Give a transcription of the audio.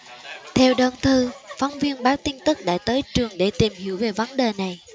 theo đơn thư phóng viên báo tin tức đã tới trường để tìm hiểu về vấn đề này